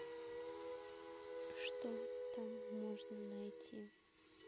что там можно найти